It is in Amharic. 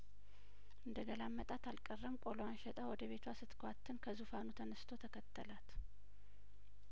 እንደ ገላመጣት አልቀረም ቆሎዋን ሸጣ ወደ ቤቷ ስትኳትን ከዙፋኑ ተነስቶ ተከተላት